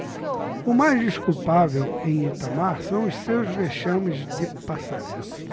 o mais desculpável em itamar são os seus vexames de passarela